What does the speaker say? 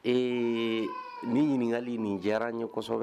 Ee ne ɲininkakali nin diyara yesɔ